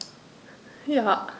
Ja.